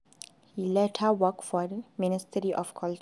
He later worked for the Ministry of Culture.